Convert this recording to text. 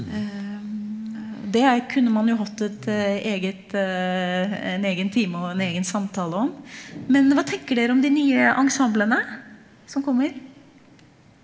det kunne man jo hatt et eget en egen time og en egen samtale om, men hva tenker dere om de nye ensemblene som kommer?